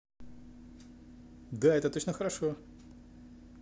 да это очень хорошо